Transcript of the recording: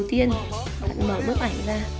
đầu tiên bạn mở bức ảnh ra